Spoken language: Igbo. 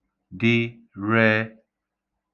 dị ree